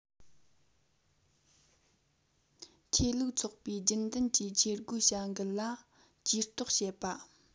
ཆོས ལུགས ཚོགས པའི རྒྱུན ལྡན གྱི ཆོས སྒོའི བྱ འགུལ ལ ཇུས གཏོགས བྱེད པ